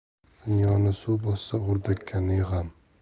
dunyoni suv bossa o'rdakka ne g'am